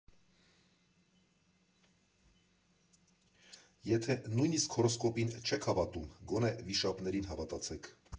Եվ եթե նույնիսկ հորոսկոպին չեք հավատում, գոնե վիշապներին հավատացեք։